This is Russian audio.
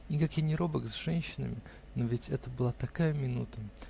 И как я ни робок с женщинами, но ведь это была такая минута!.